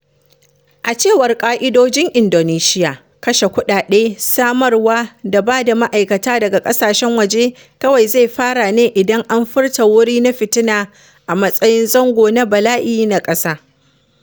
A cewar ƙa’idojin Indonesiya, kashe kuɗaɗe, samarwa da ba da ma’aikata daga ƙasashen waje kawai zai fara ne idan an furta wuri na fitina a matsayin zango na bala’i na ƙasa.